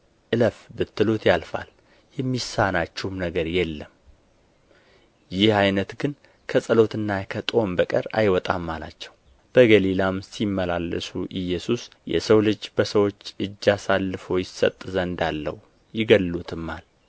እለፍ ብትሉት ያልፋል የሚሳናችሁም ነገር የለም ይህ ዓይነት ግን ከጸሎትና ከጦም በቀር አይወጣም አላቸው በገሊላም ሲመላለሱ ኢየሱስ የሰው ልጅ በሰዎች እጅ አልፎ ይሰጥ ዘንድ አለው ይገድሉትማል